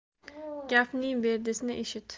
gapning berdisini eshit